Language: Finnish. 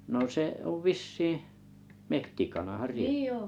no se on vissiin metsäkanahan riekko on